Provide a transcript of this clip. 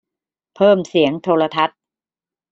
เพิ่มเสียงโทรทัศน์